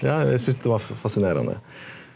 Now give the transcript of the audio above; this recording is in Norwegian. ja eg synes det var fasinerande.